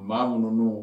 'unun